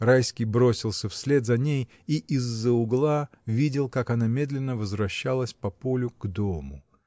Райский бросился вслед за ней и из-за угла видел, как она медленно возвращалась по полю к дому.